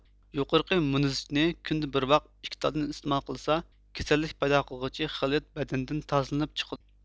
يۇقىرىقى مۇنىزچنى كۈندە بىر ۋاخ ئىككى تالدىن ئىستېمال قىلسا كېسەللىك پەيدا قىلغۇچى خىلىت بەدەندىن تازىلىنىپ چىقىدۇ